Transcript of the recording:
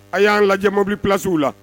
A y'an lajɛ mobili place u la